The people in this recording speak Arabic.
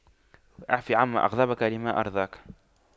اعف عما أغضبك لما أرضاك